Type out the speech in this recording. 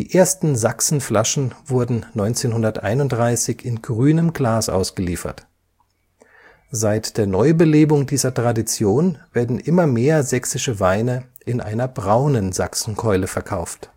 ersten Sachsenflaschen wurden 1931 in grünem Glas ausgeliefert. Seit der Neubelebung dieser Tradition werden immer mehr sächsische Weine in einer braunen Sachsenkeule verkauft